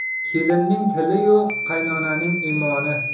kelinning tili yo'q qaynonaning imoni